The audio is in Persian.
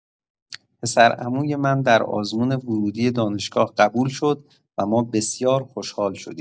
پسرعموی من در آزمون ورودی دانشگاه قبول شد و ما بسیار خوشحال شدیم.